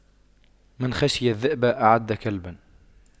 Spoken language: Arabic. من خشى الذئب أعد كلبا